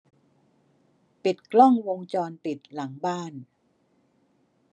ปิดกล้องวงจรปิดหลังบ้าน